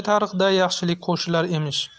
tariqday yaxshilik qo'shilar emish